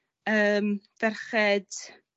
yym ferched